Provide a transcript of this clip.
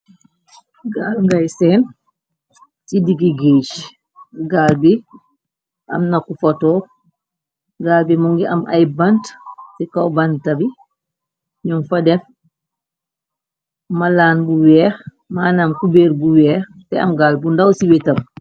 Gaal ngay sèèn ci diggi gééj gaal bi am na kufa tóóg. Gaal bi mu ngi am ay bant ci kaw banta bi ñung fa def malaan bu wèèx manaam kuberr bu wèèx te am gaal bu ndaw ci wétam.